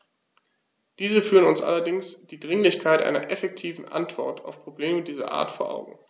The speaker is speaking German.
Diese führen uns allerdings die Dringlichkeit einer effektiven Antwort auf Probleme dieser Art vor Augen.